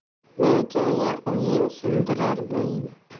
nojo'ya o'yin sindirar bo'yin